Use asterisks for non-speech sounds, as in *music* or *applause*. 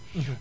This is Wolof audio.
*blows air* *hesitation* *hesitation*